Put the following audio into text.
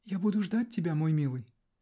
-- Я буду ждать тебя, мой милый!